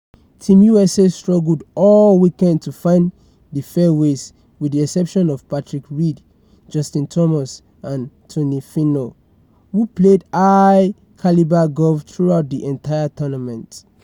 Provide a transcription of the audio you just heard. Team USA struggled all weekend to find the fairways with the exception of Patrick Reed, Justin Thomas and Tony Finau, who played high-caliber golf throughout the entire tournament.